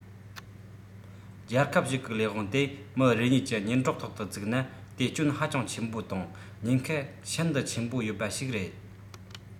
རྒྱལ ཁབ ཞིག གི ལས དབང དེ མི རེ གཉིས ཀྱི སྙན གྲགས ཐོག ཏུ བཙུགས ན དེ སྐྱོན ཧ ཅང ཆེན པོ དང ཉེན ཁ ཤིན ཏུ ཆེན པོ ཡོད པ ཞིག རེད